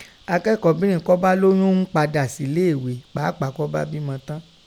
Akẹ́kọ̀ọ́bìnrin kọ́ bá lóyún ùn padà sílé ìghé pàápàá kọ́ bá bímọ tán.